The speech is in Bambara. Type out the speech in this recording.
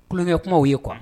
Tulonkɛ kumaw ye kuwa